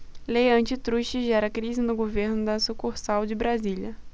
lei antitruste gera crise no governo da sucursal de brasília